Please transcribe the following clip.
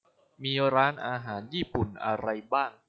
มีร้านอาหารญี่ปุ่นอะไรบ้าง